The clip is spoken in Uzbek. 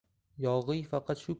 yog'iy faqat shu